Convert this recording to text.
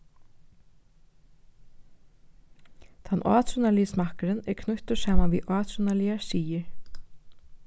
tann átrúnaðarligi smakkurin er knýttur saman við átrúnaðarligar siðir